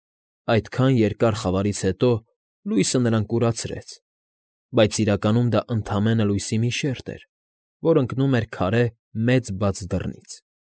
Այդքան երկար խավարից հետո լույսը նրան կուրացրեց, բայց իրակիանում դա ընդամենը լույսի մի շերջ էր, որ ընկնում էր քարե մեծ բաց դռնից։